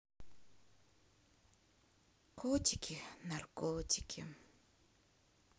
котики наркотики